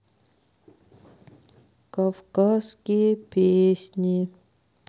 кавказские песни